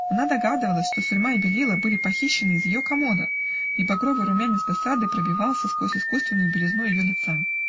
Она догадывалась, что сурьма и белила были похищены из ее комода, и багровый румянец досады пробивался сквозь искусственную белизну ее лица.